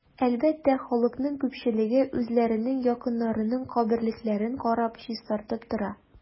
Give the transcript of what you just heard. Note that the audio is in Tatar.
Әлбәттә, халыкның күпчелеге үзләренең якыннарының каберлекләрен карап, чистартып тора.